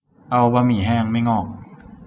เอาบะหมี่แห้งไม่งอก